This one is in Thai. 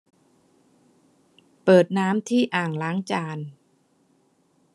เปิดน้ำที่อ่างล้างจาน